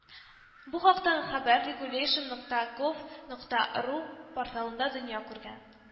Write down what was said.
Бу хактагы хәбәр регулэйшн нокта гов нокта ру порталында дөнья күргән